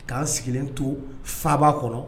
K'an sigilen to faba kɔnɔ